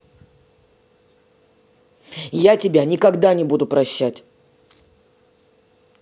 я тебя никогда не буду прощать